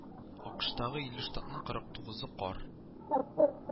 АКэШтагы илле штатның кырык тугызы кар